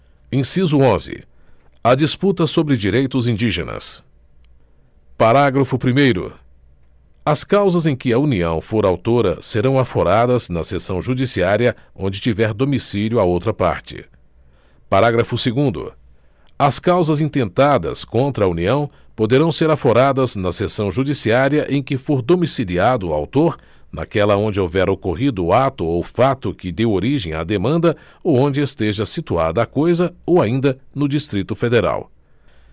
inciso onze a disputa sobre direitos indígenas parágrafo primeiro as causas em que a união for autora serão aforadas na seção judiciária onde tiver domicílio a outra parte parágrafo segundo as causas intentadas contra a união poderão ser aforadas na seção judiciária em que for domiciliado o autor naquela onde houver ocorrido o ato ou fato que deu origem à demanda ou onde esteja situada a coisa ou ainda no distrito federal